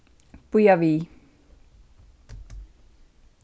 bíða við